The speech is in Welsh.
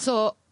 So,